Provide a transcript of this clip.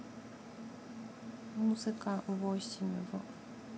музыка восемь в